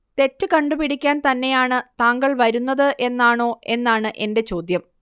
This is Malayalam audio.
തെറ്റ് കണ്ടു പിടിക്കാൻ തന്നെയാണ് താങ്കൾ വരുന്നത് എന്നാണോ എന്നാണ് എന്റെ ചോദ്യം